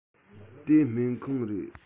དེ སྨན ཁང རེད